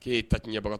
K'e ye tatitɲɛɛbaga